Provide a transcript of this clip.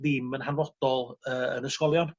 ddim yn hanfodol yy yn ysgolion.